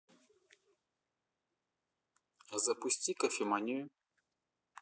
а запусти кофеманию